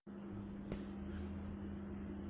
echki qo'y bo'lmas eshak toy